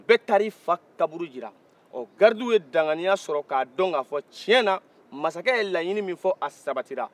bɛɛ taara i fa kaburu jira garidiw ye danganiya sɔrɔ ka dɔn ka fɔ tiɲɛ na masakɛ ye laɲini min fɔ a sabatira